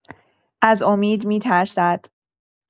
از امید می‌ترسد.